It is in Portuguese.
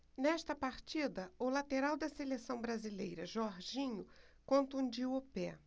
nesta partida o lateral da seleção brasileira jorginho contundiu o pé